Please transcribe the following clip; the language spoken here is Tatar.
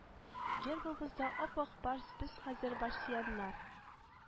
Гербыбызда ап-ак барс без хәзер барсианнар